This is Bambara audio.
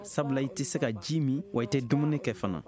sabula i tɛ se ka ji min wa i tɛ dumuni kɛ fana